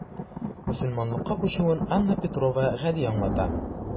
Мөселманлыкка күчүен Анна Петрова гади аңлата.